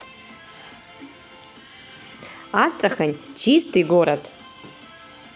астрахань чистый город